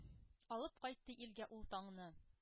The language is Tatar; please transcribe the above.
Алып кайтты илгә ул таңны,